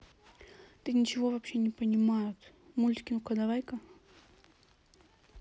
ты ничего вообще не понимают мультики ну ка давай ка